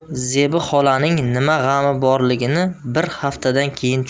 zebi xolaning nima g'ami borligini bir haftadan keyin tushundim